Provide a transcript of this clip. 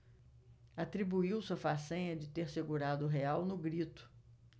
atribuiu-se a façanha de ter segurado o real no grito